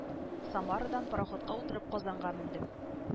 Самарадан пароходка утырып казанга мендем